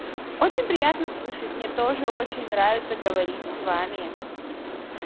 очень приятно слышать мне тоже очень нравится говорить с вами